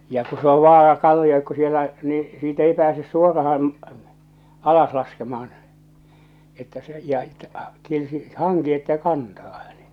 ja kun se on vaara kalliokko siellä niin siitä ei pääse suoraan alas laskemaan että se ja että tietysti hanki että kantaa hänet